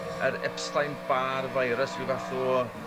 yr Epstein Barr virus ryw fath o